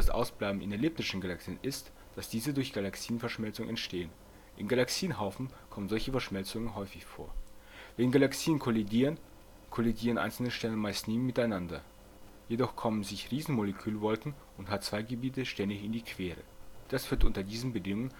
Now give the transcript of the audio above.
Ausbleiben in elliptischen Galaxien ist, dass diese durch Galaxienverschmelzung entstehen. In Galaxienhaufen kommen solche Verschmelzungen häufig vor. Wenn Galaxien kollidieren, kollidieren einzelne Sterne meist nie miteinander. Jedoch kommen sich Riesenmolekülwolken und H-II-Gebiete ständig in die Quere. Das führt unter diesen Bedingungen